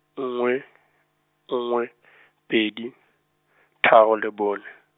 nngwe, nngwe , pedi, tharo le bone.